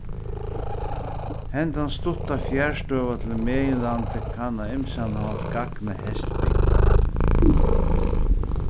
hendan stutta fjarstøða til meginlandið kann á ymsan hátt gagna hestbygd